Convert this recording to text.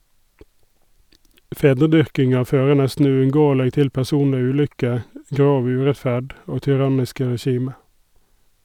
Fedredyrkinga fører nesten uunngåeleg til personleg ulykke , grov urettferd og tyranniske regime.